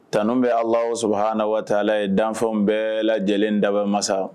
T bɛ ala sɔrɔ h na waatala ye danfaw bɛɛ lajɛ lajɛlen damasa